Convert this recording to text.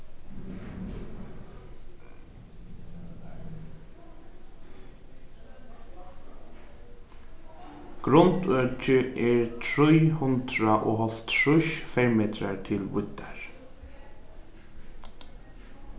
grundøkið er trý hundrað og hálvtrýss fermetrar til víddar